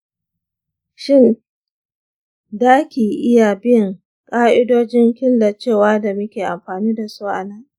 shin daki iya bin ka’idojin killacewa da muke amfani da su a nan?